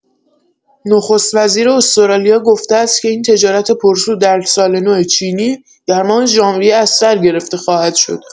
نخست‌وزیر استرالیا گفته است که این تجارت پرسود در سال‌نو چینی در ماه ژانویه از سر گرفته خواهد شد.